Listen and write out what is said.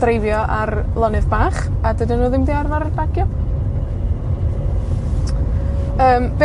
dreifio ar lonydd bach, a dydyn nw ddim 'di arfar bagio. Yym, beth